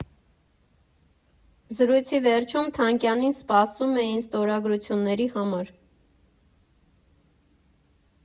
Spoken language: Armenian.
Զրույցի վերջում Թանկյանին սպասում էին ստրագրությունների համար.